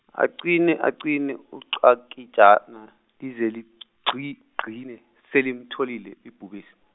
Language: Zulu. acingwe acingwe uChakijana, lize ligci- gcine, selimtholile ibhubesi.